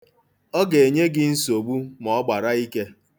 Ọ ga-enye nsogbu ma ọ gbara ike.